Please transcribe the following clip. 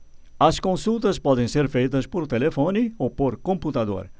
as consultas podem ser feitas por telefone ou por computador